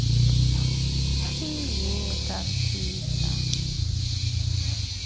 привет анфиса